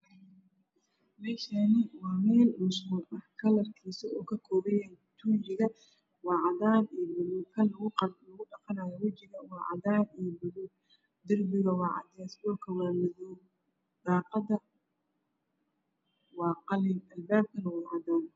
Meshani waa meel muqul ah kalarkisu kakobanyahaytunjigawaa cadaniyo iyo madow kan wijiga lagudhaqanayo waacadan iyo madowderbiga waa cadesyo korwamadow daqadawaaqalin irbabkawaa cadaan